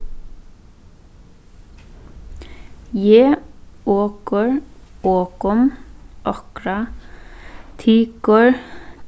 eg okur okum okra tykur